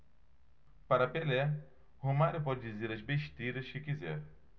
para pelé romário pode dizer as besteiras que quiser